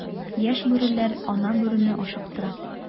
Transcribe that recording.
Яшь бүреләр ана бүрене ашыктыра.